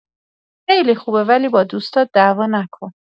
خیلی خوبه، ولی با دوستات دعوا نکن.